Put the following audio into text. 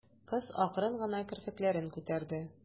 Кыз акрын гына керфекләрен күтәрде.